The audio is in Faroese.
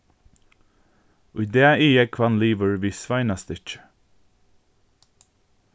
í dag er jógvan liðugur við sveinastykkið